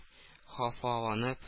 Хафаланып